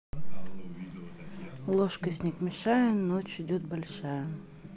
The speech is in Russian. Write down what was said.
ложкой снег мешая ночь идет большая